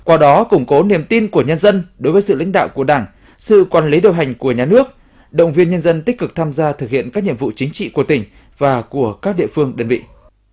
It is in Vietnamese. qua đó củng cố niềm tin của nhân dân đối với sự lãnh đạo của đảng sự quản lý điều hành của nhà nước động viên nhân dân tích cực tham gia thực hiện các nhiệm vụ chính trị của tỉnh và của các địa phương đơn vị